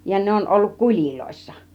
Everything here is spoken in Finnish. ja ne on ollut kuleissa